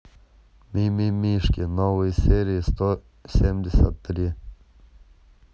мимимишки новые серии сто семьдесят три